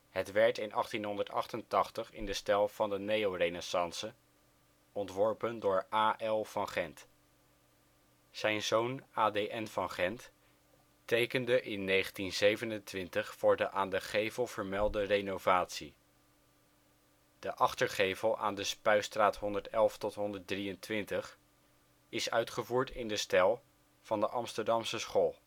Het werd in 1888 in de stijl van de neorenaissance, ontworpen door A.L. van Gendt. Zijn zoon A.D.N van Gendt tekende in 1927 voor de aan de gevel vermelde renovatie. De achtergevel aan de Spuistraat 111-123 is uitgevoerd in de stijl van de Amsterdamse School